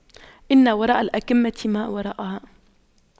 إن وراء الأَكَمةِ ما وراءها